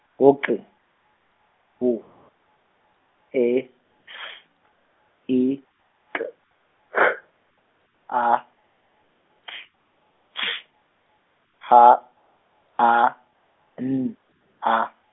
ngu K, W , E, S, I, K, H, A, T, J, H, A, N, A.